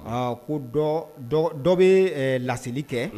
Aa ko dɔ dɔ bɛ laselil kɛ unhun